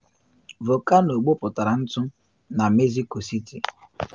Volkano gbọpụtara ntụ na Mexico City